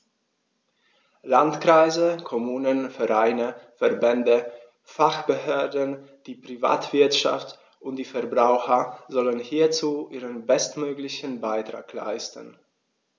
Landkreise, Kommunen, Vereine, Verbände, Fachbehörden, die Privatwirtschaft und die Verbraucher sollen hierzu ihren bestmöglichen Beitrag leisten.